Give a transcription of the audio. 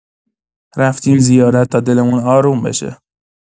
رفتیم زیارت تا دلمون آروم بشه.